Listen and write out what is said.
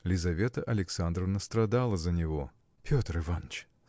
Лизавета Александровна страдала за него. – Петр Иваныч!